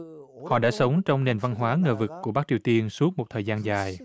họ đã sống trong nền văn hóa ngờ vực của bắc triều tiên suốt một thời gian dài